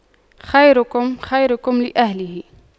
خيركم خيركم لأهله